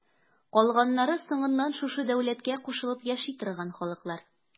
Калганнары соңыннан шушы дәүләткә кушылып яши торган халыклар.